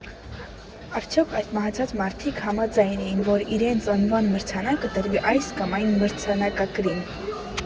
Արդյոք այդ մահացած մարդիկ համաձայն էին, որ իրենց անվան մրցանակը տրվի այս կամ այն մրցանակակրի։